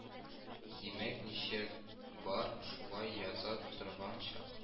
Димәк, ничек бар, шулай яза торган чак